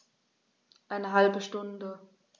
Eine halbe Stunde